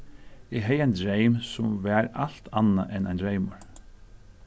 eg hevði ein dreym sum var alt annað enn ein dreymur